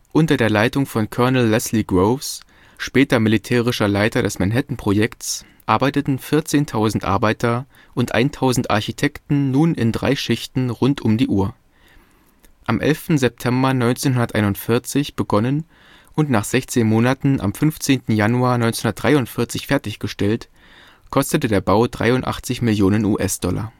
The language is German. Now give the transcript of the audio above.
Unter der Leitung von Colonel Leslie Groves, später militärischer Leiter des Manhattan-Projekts, arbeiteten 14.000 Arbeiter und 1000 Architekten nun in drei Schichten rund um die Uhr. Am 11. September 1941 begonnen und nach 16 Monaten am 15. Januar 1943 fertiggestellt, kostete der Bau 83 Mio. US-Dollar